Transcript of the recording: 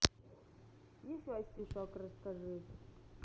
еще стишок расскажи